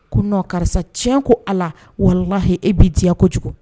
Ko n nɔ karisa tiɲɛ ko a la walahi e'i diya kojugu